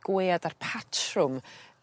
gwead a'r patrwm